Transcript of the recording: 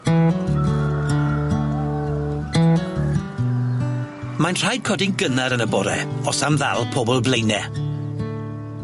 Mae'n rhaid codi'n gynnar yn y bore os am ddal pobol Blaene